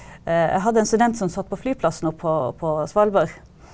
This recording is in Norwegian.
jeg hadde en student som satt på flyplassen oppe på på Svalbard.